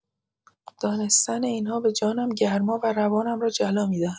دانستن این‌ها به جانم گرما و روانم را جلا می‌دهد.